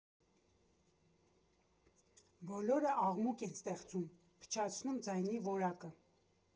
Բոլորը աղմուկ են ստեղծում, փչացնում ձայնի որակը։